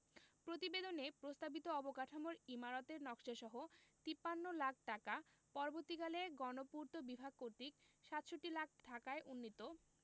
প্রতিবেদনে প্রস্তাবিত অবকাঠামোর ইমারতের নকশাসহ ৫৩ লাখ টাকা পরবর্তীকালে গণপূর্ত বিভাগ কর্তৃক ৬৭ লাখ ঢাকায় উন্নীত